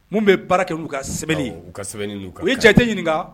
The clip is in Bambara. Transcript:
Min bɛ baara kɛ n'u ka sɛbɛn ye, awɔ u ka sɛbɛn n'u ka, u ye ɲininka